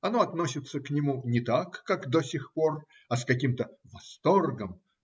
оно относится к нему не так, как до сих пор, а с каким-то восторгом